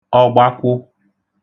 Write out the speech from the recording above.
ọgbakwụ